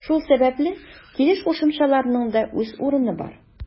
Шул сәбәпле килеш кушымчаларының да үз урыны бар.